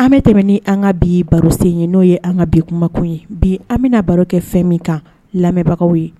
an bɛ tɛmɛ ni an ka bi baro sen ye n'o ye an ka bi kumakun ye bi an bɛna baro kɛ fɛn min kan lamɛnbagaw ye